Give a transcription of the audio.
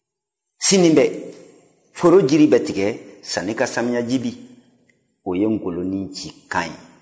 sini bɛɛ foro jiri bɛ tigɛ sanni ka samiyaji bin o ye ngɔlɔ ni nci kan ye